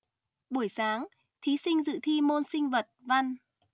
buổi sáng thí sinh dự thi môn sinh vật văn